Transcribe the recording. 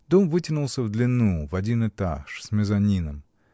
Дом вытянулся в длину, в один этаж, с мезонином.